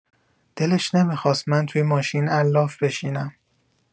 دلش نمی‌خواست من توی ماشین علاف بشینم.